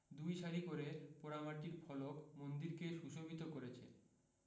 দুই সারি করে পোড়ামাটির ফলক মন্দিরকে সুশোভিত করেছে